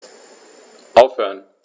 Aufhören.